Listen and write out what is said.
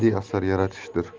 badiiy asar yaratishdir